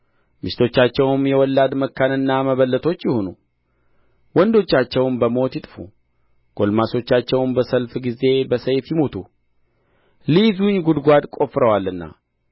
ሚስቶቻቸውም የወላድ መካንና መበለቶች ይሁኑ ወንዶቻቸውም በሞት ይጥፉ ጕልማሶቻቸውም በሰልፍ ጊዜ በሰይፍ ይመቱ ሊይዙኝ ጕድጓድ ቆፍረዋልና